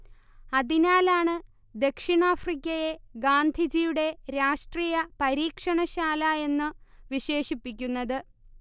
അതിനാലാണ് ദക്ഷിണാഫ്രിക്കയെ ഗാന്ധിജിയുടെ രാഷ്ട്രീയ പരീക്ഷണ ശാല എന്നു വിശേഷിപ്പിക്കുന്നത്